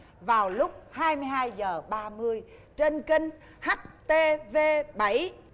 vào lúc hai mươi hai giờ ba mươi trên kênh hắt tê vê bảy